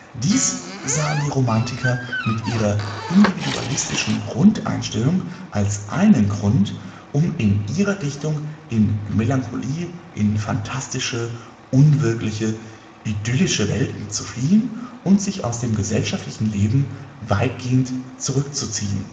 Dies sahen die Romantiker mit ihrer individualistischen Grundeinstellung als einen Grund, um in ihrer Dichtung in Melancholie, in fantastische, unwirkliche, idyllische Welten zu fliehen und sich aus dem gesellschaftlichen Leben weitgehend zurückzuziehen